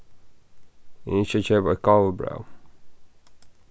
eg ynski at keypa eitt gávubræv